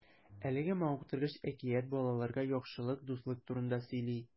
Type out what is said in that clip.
Әлеге мавыктыргыч әкият балаларга яхшылык, дуслык турында сөйли.